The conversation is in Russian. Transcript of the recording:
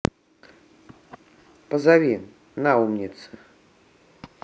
позови на умница